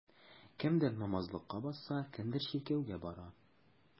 Кемдер намазлыкка басса, кемдер чиркәүгә бара.